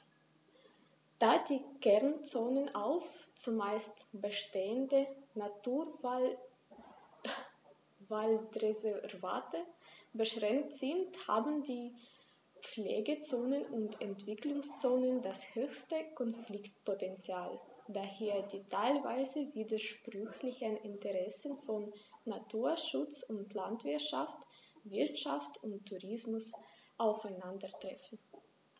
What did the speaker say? Da die Kernzonen auf – zumeist bestehende – Naturwaldreservate beschränkt sind, haben die Pflegezonen und Entwicklungszonen das höchste Konfliktpotential, da hier die teilweise widersprüchlichen Interessen von Naturschutz und Landwirtschaft, Wirtschaft und Tourismus aufeinandertreffen.